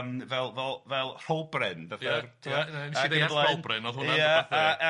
...yym fel fel fel rholbren, fatha ia, ti'bod.. Ia